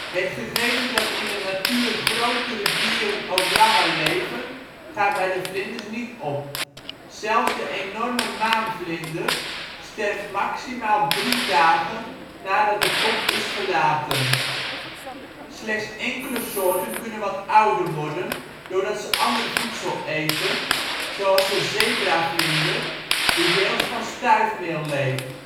Het gegeven dat in de natuur grotere dieren ook langer leven gaat bij de vlinders niet op; zelfs de enorme maanvlinder sterft maximaal drie dagen nadat de pop is verlaten. Slechts enkele soorten kunnen wat ouder worden doordat ze ander voedsel eten, zoals de zebravlinder die deels van stuifmeel leeft